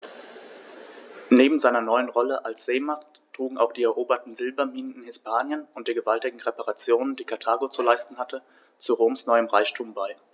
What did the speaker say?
Neben seiner neuen Rolle als Seemacht trugen auch die eroberten Silberminen in Hispanien und die gewaltigen Reparationen, die Karthago zu leisten hatte, zu Roms neuem Reichtum bei.